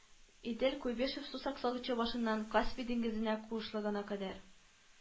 Идел, Куйбышев сусаклагычы башыннан Каспий диңгезенә кушылганга кадәр